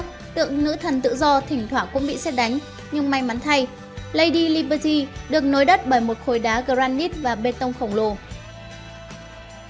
tượng nữ thần tự do thỉnh thoảng cũng bị sét đánh nhưng may mắn thay lady liberty được nối đất bởi một khối đá granit và bê tông khổng lồ